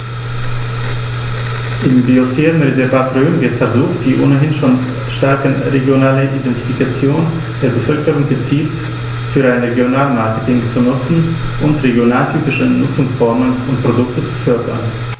Im Biosphärenreservat Rhön wird versucht, die ohnehin schon starke regionale Identifikation der Bevölkerung gezielt für ein Regionalmarketing zu nutzen und regionaltypische Nutzungsformen und Produkte zu fördern.